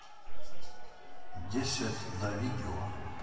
десять да видио